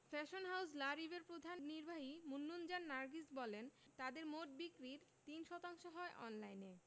fashion house লা রিবের প্রধান নির্বাহী মুন্নুজান নার্গিস বললেন তাঁদের মোট বিক্রির ৩ শতাংশ হয় অনলাইনে